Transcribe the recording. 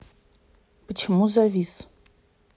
почему завис